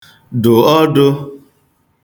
dụ̀ ọdụ̄